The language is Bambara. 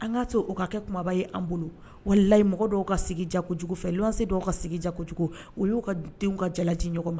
An k'a to o ka kɛ kumaba ye an bolo wala layimɔgɔ dɔw ka sigi ja jugu fɛ se dɔw ka sigi ja jugu olu y'u ka denw ka jalaji ɲɔgɔn ma